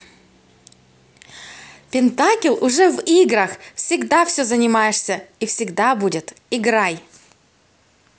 pentakill уже в играх всегда все занимаешься и всегда будет играй